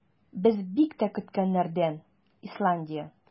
Без бик тә көткәннәрдән - Исландия.